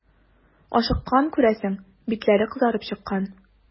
Ашыккан, күрәсең, битләре кызарып чыккан.